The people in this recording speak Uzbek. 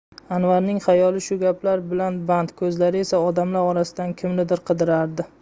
anvarning xayoli shu gaplar bilan band ko'zlari esa odamlar orasidan kimnidir qidirardi